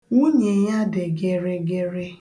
Nwunye ya dị gịrịgịrị.